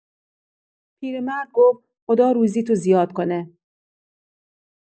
پیرمرد گفت: «خدا روزیتو زیاد کنه.»